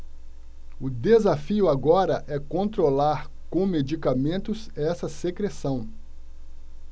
o desafio agora é controlar com medicamentos essa secreção